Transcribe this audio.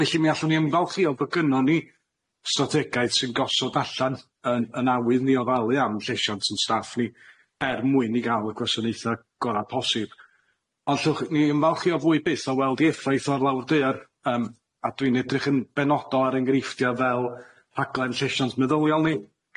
Felly mi allwn ni ymfalchio bo' gynnon ni strategaeth sy'n gosod allan yn awydd ni ofalu am lleisiant yn staff ni er mwyn i ga'l y gwasanaetha gora posib, ond llwch ni'n ymfalchio fwy byth o weld ei effaith o'r lawr daear, yym a dwi'n edrych yn benodol ar enghreifftia' fel rhaglen lleisiant meddyliol ni.